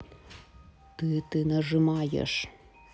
ты ты нажимаешь